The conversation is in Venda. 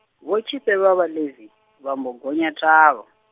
Vho Tshifhe vha Vhaḽevi, vha mbo gonya ṱhavha.